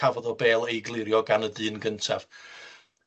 cafodd y bêl ei glirio gan y dyn gyntaf.